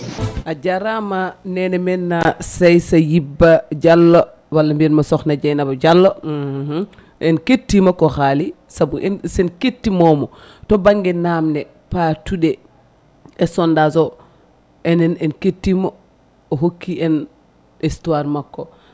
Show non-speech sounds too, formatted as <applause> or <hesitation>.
<music> a jarama nene men Saysayuba Diallo walla mbiyen mo sokhna Deiynaba Diallo <hesitation> <hesitation> en kettima ko haali saabu en sen kettimomo to banggue namde patuɗe e sondage o enen en kettima o hokki en histoire makko